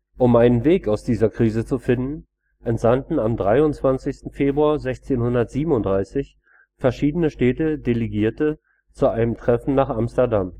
Um einen Weg aus dieser Krise zu finden, entsandten am 23. Februar 1637 verschiedene Städte Delegierte zu einem Treffen nach Amsterdam